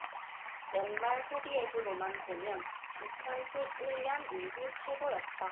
연말 소비액으로만 보면 이천 십 일 년 이후 최고였다